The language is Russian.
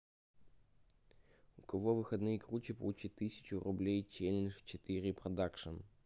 у кого выходные круче получит тысячу рублей челлендж а четыре production